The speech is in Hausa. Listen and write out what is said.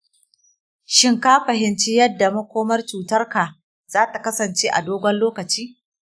shin ka fahimci yadda makomar cutarka za ta kasance a dogon lokaci?